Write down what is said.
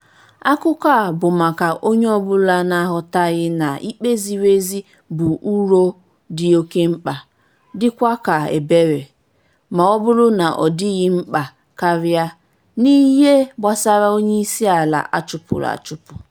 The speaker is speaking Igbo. Akụkọ a bụ maka onye ọbụla na aghọtaghị na ikpe ziri ezi bụ uru dị oke mkpa, dịkwa ka ebere - maọbụrụ na ọ dịghị mkpa karịa, n'ihe gbasara onyeisiala a chụpụrụ achụpụ.